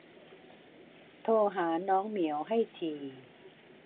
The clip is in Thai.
โทรหาน้องเหมียวให้ที